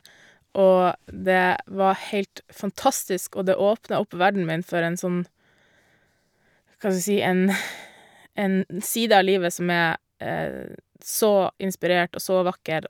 Og det var heilt fantastisk, og det åpna opp verdenen min for en sånn, hva skal jeg si, en en side av livet som er så inspirert og så vakker.